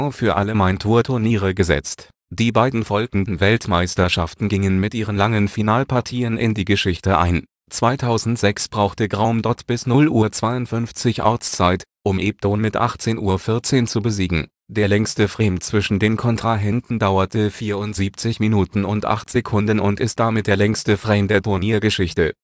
für alle Main-Tour-Turniere gesetzt. Die beiden folgenden Weltmeisterschaften gingen mit ihren langen Finalpartien in die Geschichte ein: 2006 brauchte Graeme Dott bis 0:52 Uhr Ortszeit, um Ebdon mit 18:14 zu besiegen. Der längste Frame zwischen den Kontrahenten dauerte 74 Minuten und 8 Sekunden und ist damit der längste Frame der Turniergeschichte